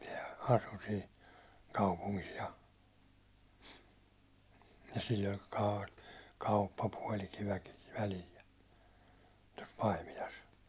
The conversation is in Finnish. sehän asui siinä kaupungissa ja ja sillä oli - kauppapuotityökin välillä ja tuossa Paimilassa